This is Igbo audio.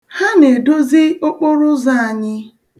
Ha na-edozi okporụụzọ anyị.